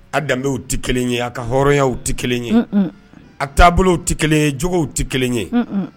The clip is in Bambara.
A danbew tɛ kelen ye a ka hɔrɔnyaw tɛ kelen ye a taabolow tɛ kelen jw tɛ kelen ye